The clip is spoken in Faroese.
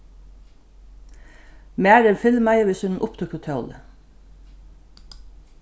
marin filmaði við sínum upptøkutóli